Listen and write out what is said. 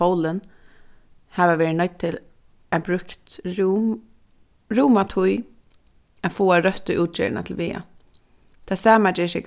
pólin hava verið noydd til at brúkt rúma tíð at fáa røttu útgerðina til vega tað sama ger seg